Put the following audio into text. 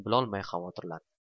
bilolmay xavotirlandi